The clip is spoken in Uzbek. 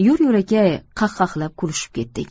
yo'l yo'lakay qahqahlab kulishib ketdik